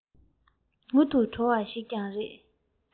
ངུ བྲོ བ ཞིག ཀྱང རེད